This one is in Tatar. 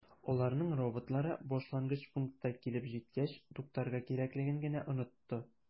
Аларның роботлары башлангыч пунктка килеп җиткәч туктарга кирәклеген генә “онытты”.